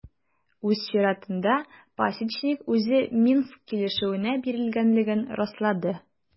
Үз чиратында Пасечник үзе Минск килешүенә бирелгәнлеген раслады.